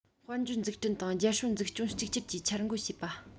དཔལ འབྱོར འཛུགས སྐྲུན དང རྒྱལ སྲུང འཛུགས སྐྱོང གཅིག གྱུར གྱིས འཆར འགོད བྱེད པ